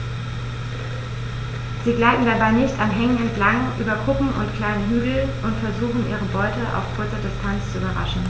Sie gleiten dabei dicht an Hängen entlang, über Kuppen und kleine Hügel und versuchen ihre Beute auf kurze Distanz zu überraschen.